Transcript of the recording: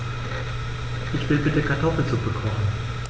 Ich will bitte Kartoffelsuppe kochen.